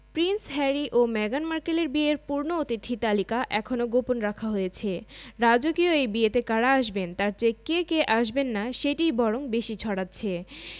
Prince Harry ও মেগান মার্কেলের বিয়ের পূর্ণ অতিথি তালিকা এখনো গোপন রাখা হয়েছে রাজকীয় এই বিয়েতে কারা আসবেন তার চেয়ে কে কে আসবেন না সেটিই বরং বেশি ছড়াচ্ছে